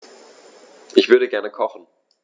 Ich würde gerne kochen.